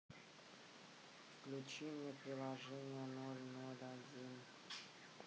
включи мне приложение ноль ноль один